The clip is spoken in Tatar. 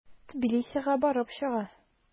Тбилисига барып чыга.